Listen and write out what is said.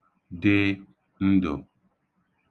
dị ndụ̀